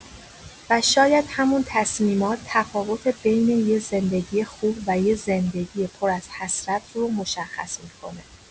و شاید همون تصمیمات، تفاوت بین یه زندگی خوب و یه زندگی پر از حسرت رو مشخص می‌کنه.